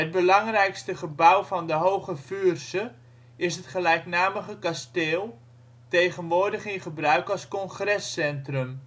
belangrijkste gebouw van de Hooge Vuursche is het gelijknamige kasteel, tegenwoordig in gebruik als congrescentrum